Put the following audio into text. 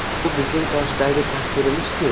bu bizning toshdagi tasvirimiz ku